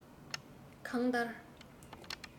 གང ལྟར